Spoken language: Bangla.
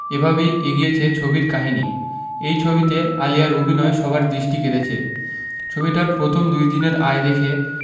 এভাবেই এগিয়েছে ছবির কাহিনী এই ছবিতে আলিয়ার অভিনয় সবার দৃষ্টি কেড়েছে ছবিটার প্রথম দুইদিনের আয় দেখে